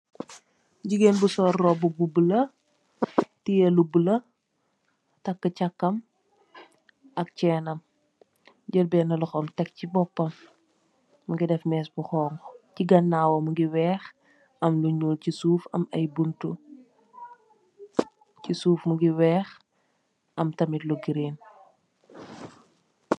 Jigeen bu sol roba bu bulu tiyex lu bulu taka cxaxam ak cxainam jel bena loxom tek si bopam mongi def mess bu xonxu si kanawam mongi weex am lu nuul si suuf am ay buntu si suuf mongi weex am tamit lu green.